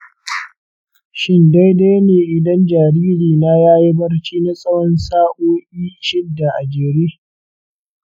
shin daidai ne idan jaririna ya yi barci na tsawon sa'o'i shida a jere?